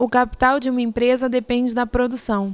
o capital de uma empresa depende da produção